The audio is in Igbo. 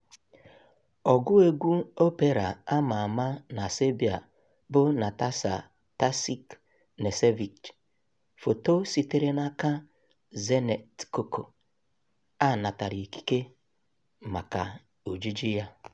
Ọgụ egwu opera a ma ama na Serbia bụ Nataša Tasić Knežević, foto sitere n'aka Dzenet Koko, a natara ikike maka ojiji ya.